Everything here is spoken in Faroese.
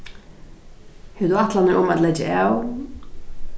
hevur tú ætlanir um at leggja av